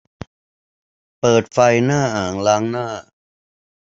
เปิดไฟหน้าอ่างล้างหน้า